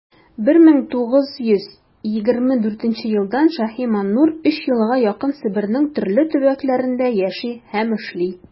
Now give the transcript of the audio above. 1924 елдан ш.маннур өч елга якын себернең төрле төбәкләрендә яши һәм эшли.